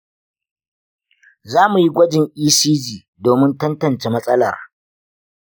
za mu yi gwajin ecg domin tantance matsalar.